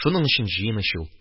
Шуның өчен җыен ич ул.